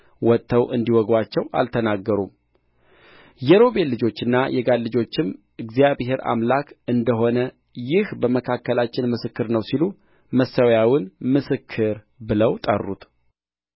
ወጥተው እንዲወጉአቸው አልተናገሩም የሮቤል ልጆችና የጋድ ልጆችም እግዚአብሔር አምላክ እንደ ሆነ ይህ በመካከላችን ምስክር ነው ሲሉ መሠዊያውን ምስክር ብለው ጠሩት